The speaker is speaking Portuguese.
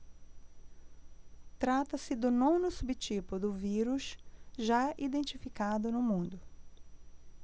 trata-se do nono subtipo do vírus já identificado no mundo